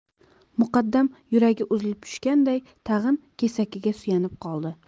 muqaddam yuragi uzilib tushganday tag'in kesakiga suyanib qoldi